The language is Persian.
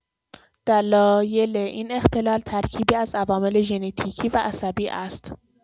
دلایل این اختلال ترکیبی از عوامل ژنتیکی و عصبی است.